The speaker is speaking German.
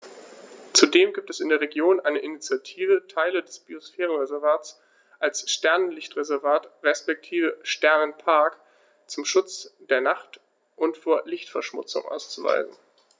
Zudem gibt es in der Region eine Initiative, Teile des Biosphärenreservats als Sternenlicht-Reservat respektive Sternenpark zum Schutz der Nacht und vor Lichtverschmutzung auszuweisen.